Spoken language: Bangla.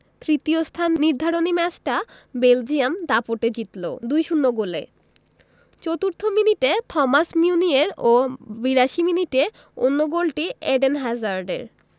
তৃতীয় স্থান নির্ধারণী ম্যাচটা বেলজিয়াম দাপটে জিতল ২ ০ গোলে চতুর্থ মিনিটে থমাস মিউনিয়ের ও ৮২ মিনিটে অন্য গোলটি এডেন হ্যাজার্ডের